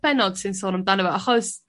bennod sy'n sôn amdano fo achos